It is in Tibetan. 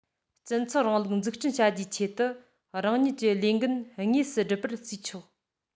སྤྱི ཚོགས རིང ལུགས འཛུགས སྐྲུན བྱ རྒྱུའི ཆེད དུ རང ཉིད ཀྱི ལས འགན དངོས སུ སྒྲུབ པར བརྩིས ཆོག